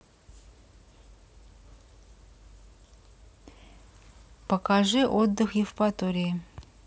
покажи отдых евпатории